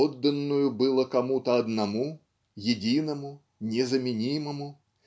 отданную было кому-то одному единому незаменимому